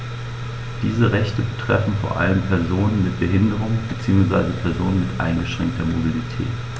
Diese Rechte betreffen vor allem Personen mit Behinderung beziehungsweise Personen mit eingeschränkter Mobilität.